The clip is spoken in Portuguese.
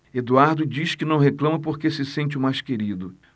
eduardo diz que não reclama porque se sente o mais querido